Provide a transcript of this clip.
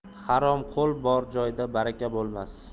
harom qo'l bor joyda baraka bo'lmas